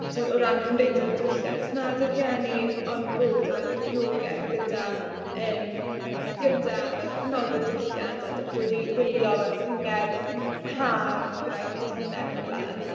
Timod o ran Cymreictod a diwylliant. Os nad yw rhieni on board o ran cefnogaeth gyda yym gyda fel cefnogi'r diwylliant a dod i wylio fel cyngerdd haf gydag eitemau ac yn y blaen.